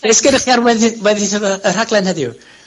Be' sgennych chi ar weddi- weddill y y rhaglen heddiw?